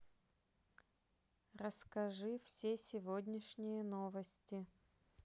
расскажи все сегодняшние новости